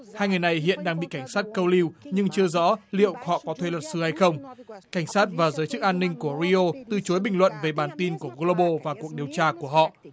hai người này hiện đang bị cảnh sát câu lưu nhưng chưa rõ liệu họ có thuê luật sư hay không cảnh sát và giới chức an ninh của ri ô từ chối bình luận về bản tin của cô lum bô và cuộc điều tra của họ